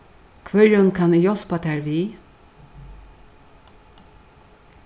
hvørjum kann eg hjálpa tær við